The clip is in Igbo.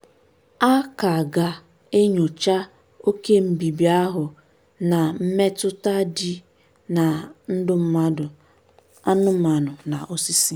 A ka ga-enyocha oke mbibi ahụ na mmetụta dị na ndụ mmadụ, anụmanụ na osisi.